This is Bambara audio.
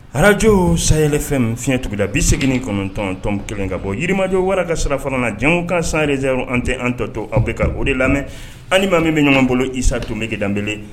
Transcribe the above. Arajo sayayɛlɛfɛn fi fiɲɛuguda bi segin kɔnɔntɔntɔn kelen ka bɔ yirimajɔ wara ka sira fana na jango ka sanrezeraw an tɛ an tɔ to aw bɛ ka o de lamɛn anilima min bɛ ɲɔgɔn bolo isa tun bɛege dabele